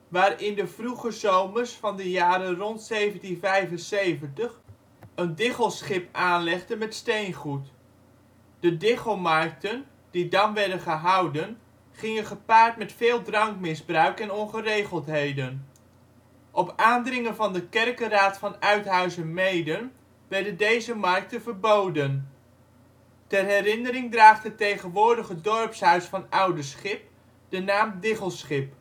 waar in de vroege zomers van de jaren rond 1775 een ' diggelschip ' aanlegde met steengoed. De ' diggelmarkten ' die dan werden gehouden, gingen gepaard met veel drankmisbruik en ongeregeldheden. Op aandringen van de kerkenraad van Uithuizermeeden werden deze markten verboden. Ter herinnering draagt het tegenwoordige dorpshuis van Oudeschip de naam Diggelschip